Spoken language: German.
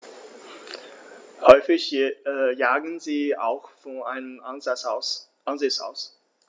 Häufig jagen sie auch von einem Ansitz aus.